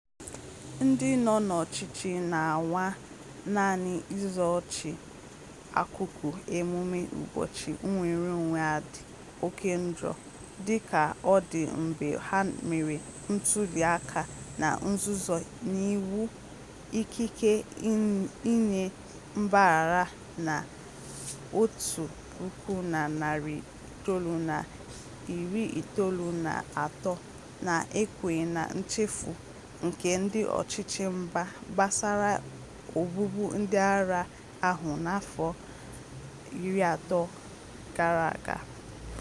Ndị nọ n'ọchịchị na-anwa naanị izochi akụkụ emume ụbọchị nnwereonwe a dị oke njọ, dị ka ọ dị mgbe ha mere ntuli aka na nzuzo n'iwu ikike inye mgbaghara na 1993 na-ekwenye na nchefu nke ndị ọchịchị mba gbasara ogbugbu ndị agha ahụ n'afọ 30 gara aga.